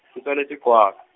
ke tswaletswe Qwaq-.